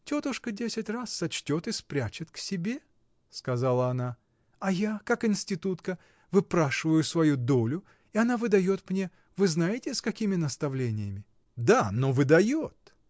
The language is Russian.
— Тетушка десять раз сочтет и спрячет к себе, — сказала она, — а я, как институтка, выпрашиваю свою долю, и она выдает мне, вы знаете, с какими наставлениями. — Да, но выдает.